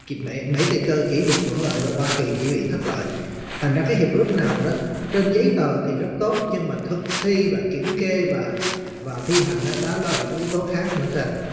thì mấy mấy tay cờ chỉ được hưởng lợi và hoa kỳ chỉ bị thất lợi thành đã cái hiệp ước nào đó trên giấy tờ thì rất tốt nhưng mà thực thi và kiểm kê và và thi hành ớ đó là một yếu tố khác nữa cơ